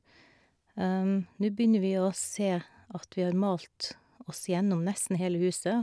Nu begynner vi å se at vi har malt oss gjennom nesten hele huset.